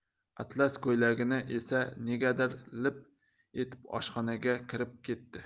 atlas ko'ylakligi esa negadir lip etib oshxonaga kirib ketdi